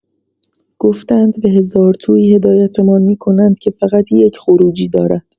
گفتند به هزارتویی هدایتمان می‌کنند که فقط یک خروجی دارد.